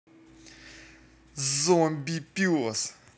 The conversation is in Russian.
zombie пес